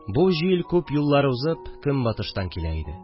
Бу җил, күп юллар узып, көнбатыштан килә иде